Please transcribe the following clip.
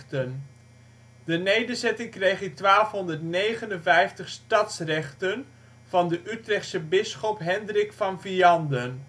en de nederzetting kreeg in 1259 stadsrechten van de Utrechtse bisschop Hendrik van Vianden